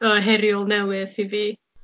o heriol newydd i fi.